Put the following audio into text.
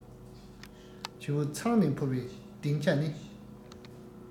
བྱེའུ ཚང ནས འཕུར པའི གདེང ཆ ནི